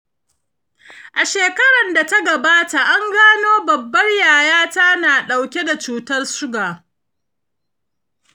a shekarar da ta gabata an gano babbar yayata na ɗauke da cutar suga.